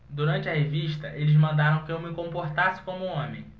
durante a revista eles mandaram que eu me comportasse como homem